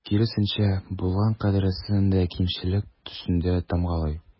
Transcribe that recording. Киресенчә, булган кадәресен дә кимчелек төсендә тамгалый.